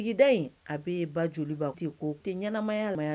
Sigida in a bɛ ba joliba ko tɛ ɲmaya la